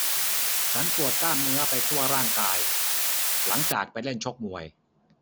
ฉันปวดกล้ามเนื้อไปทั่วร่างกายหลังจากไปเล่นชกมวย